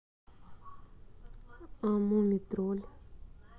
а муми тролли